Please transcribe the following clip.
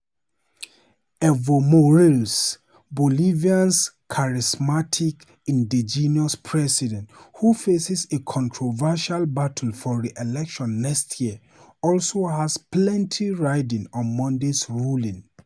Evo Morales, Bolivia's charismatic indigenous president - who faces a controversial battle for re-election next year - also has plenty riding on Monday's ruling.